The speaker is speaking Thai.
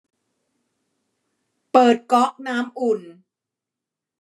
เปิดก๊อกน้ำอุ่น